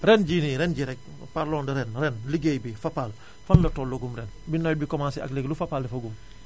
ren jii nii ren jii nii rekk parlons de ren ren liggéey bi Fapal fan la tollagum ren bi nawet bi commencé ak léegi lu Fapal defagum